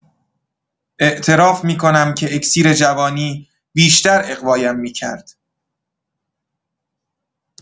اعتراف می‌کنم که اکسیر جوانی بیشتر اغوایم می‌کرد